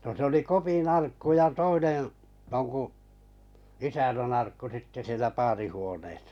no se oli Kopin arkku ja toinen jonkun isännän arkku sitten siellä paarihuoneessa